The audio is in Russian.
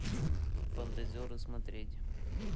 фантазеры смотреть